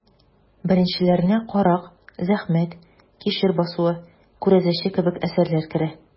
Беренчеләренә «Карак», «Зәхмәт», «Кишер басуы», «Күрәзәче» кебек әсәрләр керә.